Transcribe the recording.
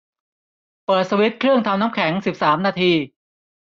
เปิดสวิตช์เครื่องทำน้ำแข็งสิบสามนาที